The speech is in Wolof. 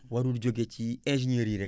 warul jógee ci ingénieur yi rek